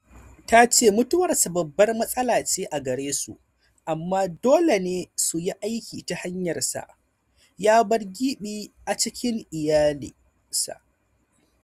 Ta ce mutuwarsa babbar matsala ce a gare su, amma dole ne suyi aiki ta hanyarsa: "Ya bar gibi a cikin iyalinsa”